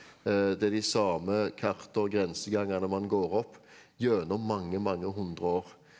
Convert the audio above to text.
det er de samme hvert år grensegangene man går opp gjennom mange mange 100 år.